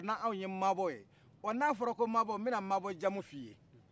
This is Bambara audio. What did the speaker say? anw ye mabɔ u ye ɔ n'a fɔra ko mabɔ bɛna mabɔ jamu f'iye